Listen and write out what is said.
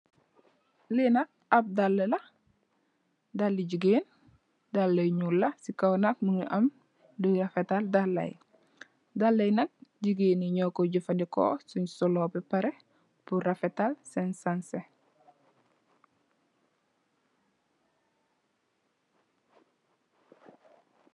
Li nak ape dala la Dali jigen yu njul la ci kaw nak mungi am lu kai rafétal igen Yi njoko jafandiko pur rafétal sen sansé yi